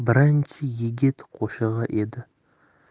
birinchi yigit qo'shig'i edi